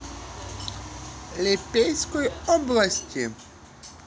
claude monet в липецкой области